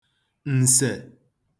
ǹsè